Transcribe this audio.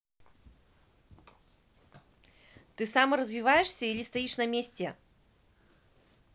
ты саморазвиваешься или стоишь на месте